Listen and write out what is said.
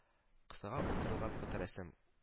Кысага утыртылган фоторәсем